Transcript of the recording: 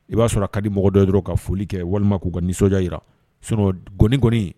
I b'a sɔrɔ a ka di mɔgɔ dɔ ye dɔrɔn ka foli kɛ walima k'u ka nisɔndiya jira sinon gɔni kɔni